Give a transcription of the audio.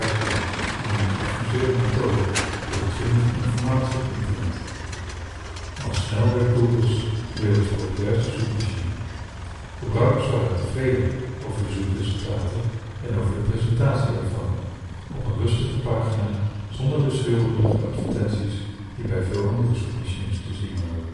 gewerkt aan een geavanceerde methode voor het vinden van informatie op internet. Al snel werd Google ' s werelds populairste zoekmachine. Gebruikers waren tevreden over de zoekresultaten, en over de presentatie ervan: op een rustige pagina, zonder de schreeuwerige advertenties die bij veel andere zoekmachines te zien